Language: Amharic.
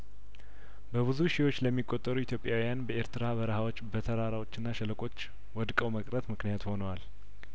በብዙ ሺዎች ለሚቆጠሩ ኢትዮጵያውያን በኤርትራ በረሀዎች በተራራዎችና ሸለቆዎች ወድቀው መቅረትምክንያት ሆነዋል